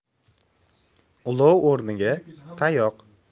ulov o'rniga tayoq